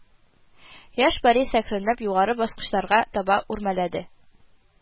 Яшь Борис әкренләп югары баскычларга таба үрмәләде